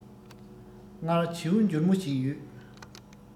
སྔར བྱིའུ འཇོལ མོ ཞིག ཡོད